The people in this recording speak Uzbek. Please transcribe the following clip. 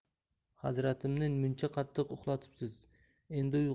hazratimni muncha qattiq uxlatibsiz endi